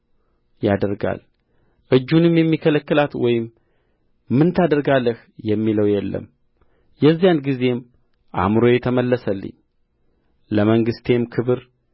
ያደርጋል እጁንም የሚከለክላት ወይም ምን ታደርጋለህ የሚለው የለም የዚያን ጊዜም አእምሮዬ ተመለሰልኝ ለመንግሥቴም ክብር